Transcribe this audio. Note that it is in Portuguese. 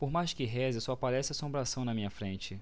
por mais que reze só aparece assombração na minha frente